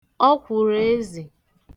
ọkwụ̀rụ̀ ezì